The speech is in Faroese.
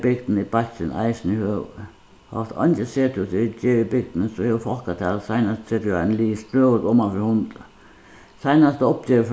bygdina er bakkin eisini høgur hóast eingi sethús eru í gerð í bygdini so hevur fólkatalið seinastu tretivu árini ligið støðugt oman fyri hundrað seinasta uppgerð